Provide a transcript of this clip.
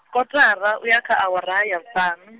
kotara, uya kha awara ya vhuṱaṋu.